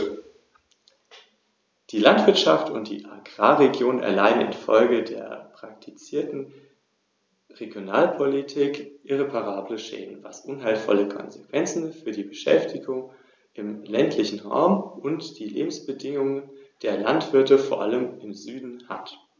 Als Folge daraus findet die Verordnung bei mehreren kleinen Staaten der Europäischen Union keine Anwendung.